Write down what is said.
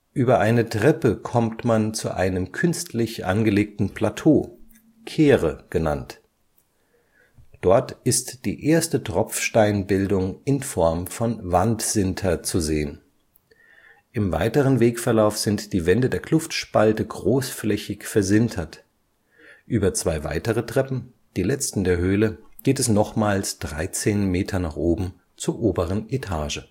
Über eine Treppe kommt man zu einem künstlich angelegten Plateau, Kehre genannt. Dort ist die erste Tropfsteinbildung in Form von Wandsinter zu sehen. Im weiteren Wegverlauf sind die Wände der Kluftspalte großflächig versintert. Über zwei weitere Treppen, die letzten der Höhle, geht es nochmals 13 Meter nach oben, zur oberen Etage